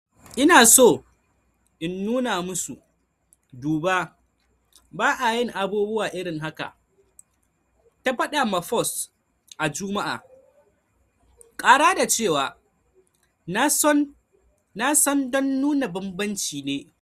"Ina so in nuna musu, duba, ba’a yin abubuwa irin haka," ta fada ma Post a Jumma'a, kara da cewa "Na san don nuna bambanci ne."